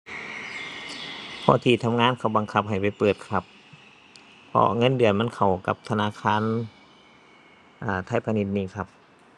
เพราะที่ทำงานเขาบังคับให้ไปเปิดครับ เพราะเงินเดือนมันเข้ากับธนาคาร อ่า ไทยพาณิชย์นี้ครับ